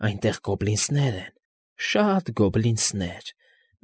Այնտեղ գոբլինս֊ս֊սներ են, շատ գոբլինս֊ս֊սներ։